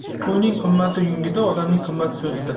qo'yning qimmati yungida odamning qimmati so'zida